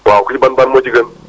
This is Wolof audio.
waaw ci ban ban moo ci gën